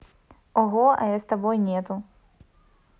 ого а я с тобой нету